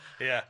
Ia.